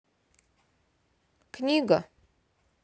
книга